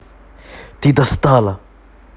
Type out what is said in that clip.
ты достала